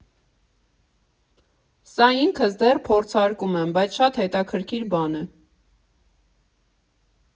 Սա ինքս դեռ փորձարկում եմ, բայց շատ հետաքրքիր բան է։